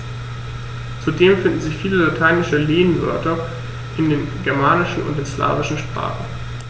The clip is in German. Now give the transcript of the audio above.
Zudem finden sich viele lateinische Lehnwörter in den germanischen und den slawischen Sprachen.